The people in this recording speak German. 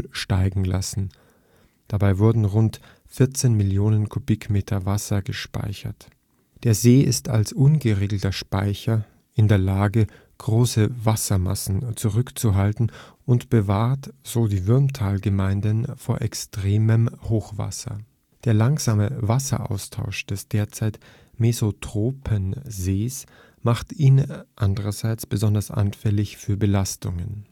steigen lassen, dabei wurden rund 14 Millionen Kubikmeter Wasser gespeichert. Der See ist als „ ungeregelter Speicher “in der Lage, große Wassermassen zurückzuhalten, und bewahrt so die Würmtalgemeinden vor extremem Hochwasser. Der langsame Wasseraustausch des derzeit mesotrophen Sees macht ihn andererseits besonders anfällig für Belastungen